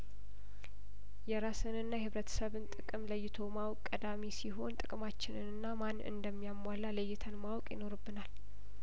የራስንና የህብረተሰብን ጥቅም ለይቶ ማወቅ ቀዳሚ ሲሆን ጥቅማችንንና ማን እንደሚያሟላ ለይተን ማወቅ ይኖርብናል